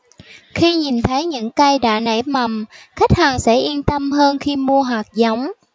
khi nhìn thấy những cây đã nảy mầm khách hàng sẽ yên tâm hơn khi mua hạt giống